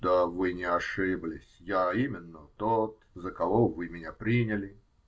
-- Да вы не ошиблись, я именно тот, за кого вы меня приняли. --?!?!